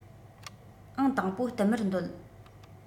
ཨང དང པོ བསྟུད མར འདོད